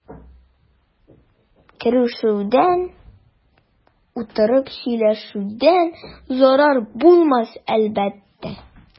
Күрешүдән, утырып сөйләшүдән зарар булмас әлбәттә.